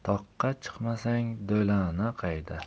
toqqa chiqmasang do'lona qayda